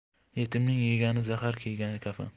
yetimning yegani zahar kiygani kafan